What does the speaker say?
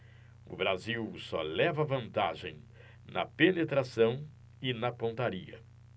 o brasil só leva vantagem na penetração e na pontaria